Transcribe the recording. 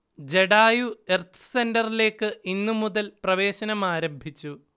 Jatayu Earth's സെന്ററിലേക്ക് ഇന്ന് മുതൽ പ്രവേശനം ആരംഭിച്ചു